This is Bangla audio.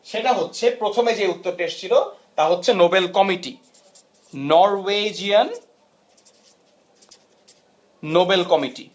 সেটা হচ্ছে প্রথমে যে উত্তরটি এসছিল তা হচ্ছে Nobel committee Norwegian Nobel committee